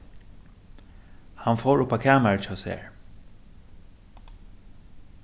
hann fór upp á kamarið hjá sær